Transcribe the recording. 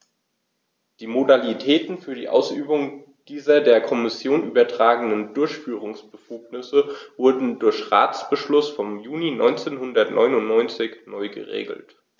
Die Modalitäten für die Ausübung dieser der Kommission übertragenen Durchführungsbefugnisse wurden durch Ratsbeschluss vom Juni 1999 neu geregelt.